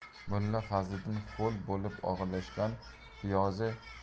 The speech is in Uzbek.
mulla fazliddin ho'l bo'lib og'irlashgan piyozi